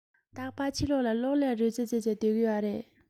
རྟག པར ཕྱི ལོག ལ གློག ཀླད རོལ རྩེད རྩེད ནས སྡོད ཀྱི ཡོད རེད